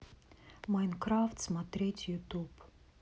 майнкрафт смотреть ютуб